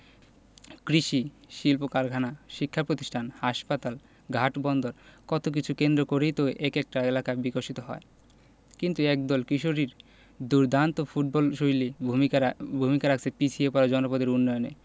কৃষি শিল্পকারখানা শিক্ষাপ্রতিষ্ঠান হাসপাতাল ঘাট বন্দর কত কিছু কেন্দ্র করেই তো এক একটা এলাকা বিকশিত হয় কিন্তু একদল কিশোরীর দুর্দান্ত ফুটবলশৈলী ভূমিকা রাখছে পিছিয়ে পড়া জনপদের উন্নয়নে